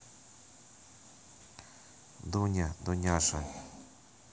дуня дуняша